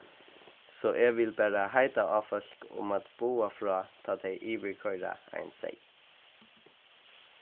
so eg vil bara heita á fólk um at boða frá tá tey yvirkoyra ein seyð